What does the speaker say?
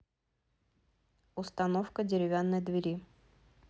установка деревянной двери